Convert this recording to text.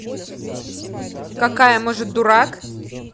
какая может дурак